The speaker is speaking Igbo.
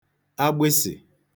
agbịsị̀